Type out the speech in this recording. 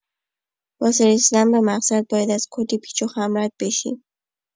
واسه رسیدن به مقصد، باید از کلی پیچ‌وخم رد بشی.